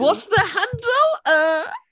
What's the handle? Uh?